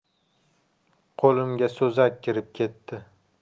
qo'limga so'zak kirib ketdi